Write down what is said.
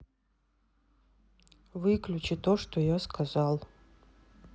выключи то что я сказал